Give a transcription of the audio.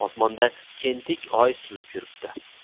osmonda kemtik oy suzib yuribdi